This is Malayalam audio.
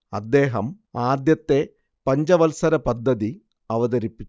അദ്ദേഹം ആദ്യത്തെ പഞ്ചവത്സര പദ്ധതി അവതരിപ്പിച്ചു